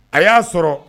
A y'a sɔrɔ